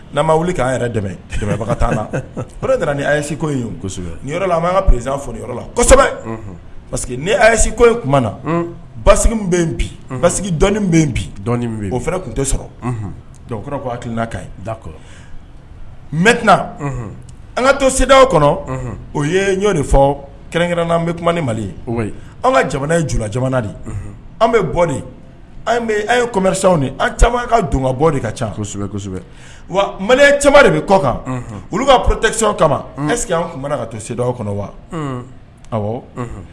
N'a ma wuli kbaga la p niseko ni anan ka pere fɔ yɔrɔ la kosɛbɛ parce niseko in na ba bɛ bi o tun tɛ sɔrɔ ka mɛ tɛna an ka to se kɔnɔ o ye ɲɔ de fɔ kɛrɛnkɛrɛn n'an bɛ kuma ni mali an ka jamana ye ju jamana de an bɛ bɔ de an yew an caman ka donka bɔ de ka casɛbɛsɛbɛ wa mali caman de bɛ kɔ kan olu b'a ptɛkisɛ kama ɛseke an ka to se kɔnɔ wa